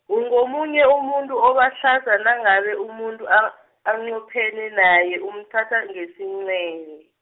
ungomunye umuntu obahlanza nangabe umuntu a-, anqophene naye umthatha ngesincele.